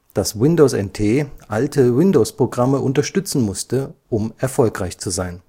dass Windows NT alte Windows-Programme unterstützen musste, um erfolgreich zu sein